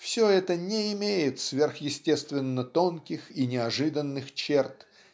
все это не имеет сверхъестественно тонких и неожиданных черт